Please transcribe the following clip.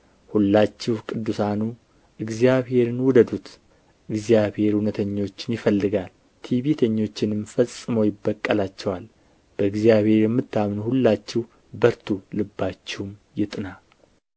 ሁላችሁ ቅዱሳኑ እግዚአብሔርን ውደዱት እግዚአብሔር እውነተኞችን ይፈልጋል ትዕቢተኞችንም ፈጽሞ ይበቀላቸዋል በእግዚአብሔር የምታምኑ ሁላችሁ በርቱ ልባችሁም ይጥና